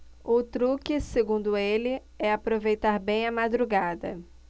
o truque segundo ele é aproveitar bem a madrugada